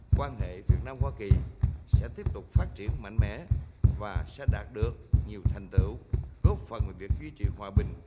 quan hệ việt nam hoa kỳ sẽ tiếp tục phát triển mạnh mẽ và sẽ đạt được nhiều thành tựu góp phần vào việc duy trì hòa bình